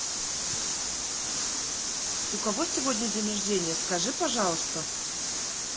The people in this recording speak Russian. у кого сегодня день рождения скажи пожалуйста